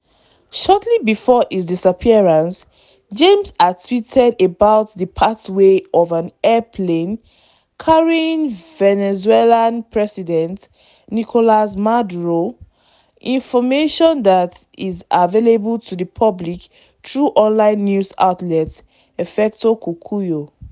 Shortly before his disappearance, Jaimes had tweeted about the pathway of an airplane carrying Venezuelan President Nicolas Maduro, information that is available to the public through online news outlet Efecto Cocuyo.